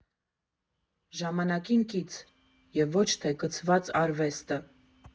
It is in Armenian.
Ժամանակին կից (և ոչ թե կցված) արվեստը։